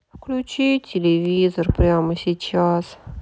выключи телевизор прямо сейчас